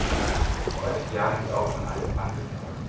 Häufig jagen sie auch von einem Ansitz aus.